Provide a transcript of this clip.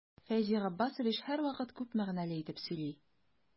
Фәйзи Габбасович һәрвакыт күп мәгънәле итеп сөйли.